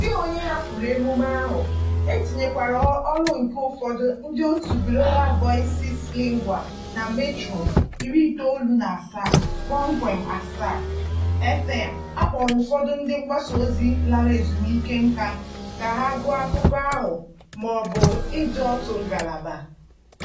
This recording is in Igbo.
Ọ dịghị onye hapụrụ emume ahụ. E tinyekwara olu nke ụfọdụ ndị otu Global Voices Lingua na Metro 97.7FM. A kpọrọ ụfọdụ ndị mgbasa ozi lara ezumike nka ka ha gụọ akụkọ ahụ ma ọ bụ ịdu otu ngalaba.